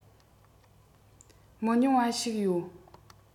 མི ཉུང བ ཞིག ཡོད